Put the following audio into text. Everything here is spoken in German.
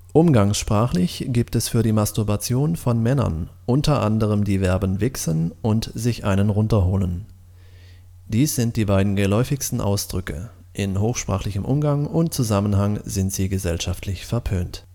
Umgangssprachlich gibt es für die Masturbation von Männern unter anderem die Verben „ wichsen “und „ sich einen runterholen “. Dies sind die beiden geläufigsten Ausdrücke; in hochsprachlichem Umgang und Zusammenhang sind sie gesellschaftlich verpönt